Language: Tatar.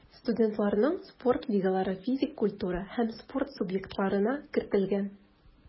Студентларның спорт лигалары физик культура һәм спорт субъектларына кертелгән.